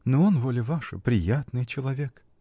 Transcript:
но он, воля ваша, приятный человек.